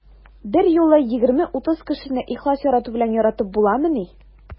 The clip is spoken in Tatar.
Берьюлы 20-30 кешене ихлас ярату белән яратып буламыни?